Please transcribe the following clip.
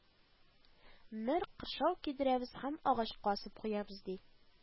Мер кыршау кидерәбез һәм агачка асып куябыз, ди»